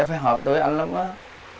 phải hợp với anh lắm